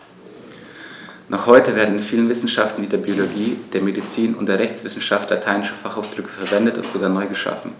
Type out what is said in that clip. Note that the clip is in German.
Noch heute werden in vielen Wissenschaften wie der Biologie, der Medizin und der Rechtswissenschaft lateinische Fachausdrücke verwendet und sogar neu geschaffen.